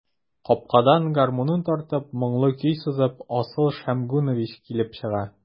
Капкадан, гармунын тартып, моңлы көй сызып, Асыл Шәмгунович килеп чыга.